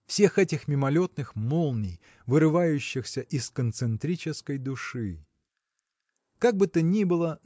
всех этих мимолетных молний, вырывающихся из концентрической души. Как бы то ни было